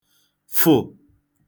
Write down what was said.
fụ̀